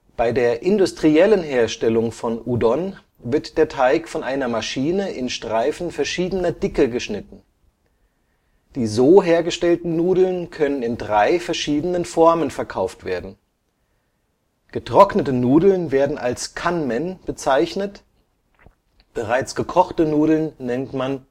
Bei der industriellen Herstellung von Udon wird der Teig von einer Maschine in Streifen verschiedener Dicke geschnitten. Die so hergestellten Nudeln können in drei verschiedenen Formen verkauft werden. Getrocknete Nudeln werden als Kan-men (かんめん, 乾めん oder 乾麺) bezeichnet, bereits gekochte Nudeln nennt man